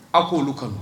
Aw k' olu kanu